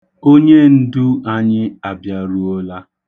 Onyendu anyị abịaruola.